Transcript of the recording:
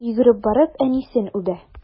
Йөгереп барып әнисен үбә.